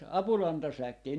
apulantasäkkejä